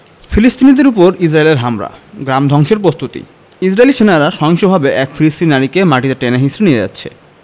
ফিলিস্তিনিদের ওপর ইসরাইলের হামলা গ্রাম ধ্বংসের প্রস্তুতি ইসরাইলী সেনারা সহিংসভাবে এক ফিলিস্তিনি নারীকে মাটিতে টেনে হেঁচড়ে নিয়ে যাচ্ছে